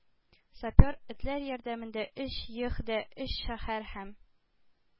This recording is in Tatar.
Сапер этләр ярдәмендә өч йөх дә өч шәһәр һәм